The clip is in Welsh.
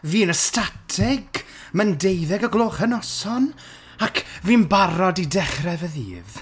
Fi'n estatic mae'n deuddeg o gloch y noson, ac fi'n barod i dechrau fy ddydd.